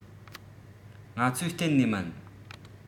ང ཚོའི གཏན ནས མིན